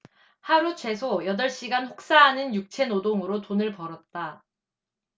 하루 최소 여덟 시간 혹사하는 육체노동으로 돈을 벌었다